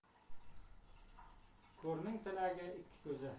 ko'rning tilagi ikki ko'zi